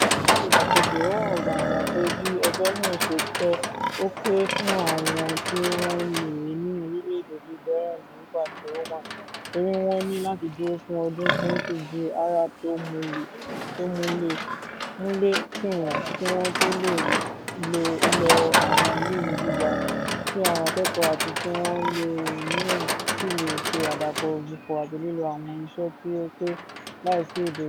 Ní ìdàkejì, ó hàn gbangba pé bí ọjọ́ náà ṣe pẹ́ ò pé fún àwọn tí wọ́n ń lòó ní àwọn orílẹ̀ èdè bí Bahrain, Morroco àti Oman, torí wọ́n ní láti dúró fún ọdún 20 ju àwọn Arab tó múlé tì wọ́n kí wọ́n tó lè lọ àwon iléèwé gíga, tí àwọn akẹ́kọ̀ọ́ àti tí wọ́n ń lò ó miran sì lè ṣe àdàkọ̀, ògbùfọ̀, àti lílo àwọn iṣẹ́ tó ti pẹ́ láì sí ìdíwọ́.